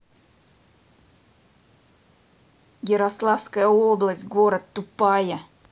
ярославская область город тупая